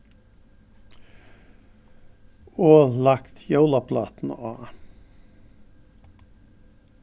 og lagt jólaplátuna á